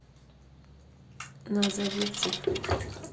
назови цифру